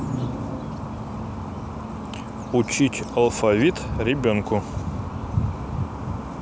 учить алфавит ребенку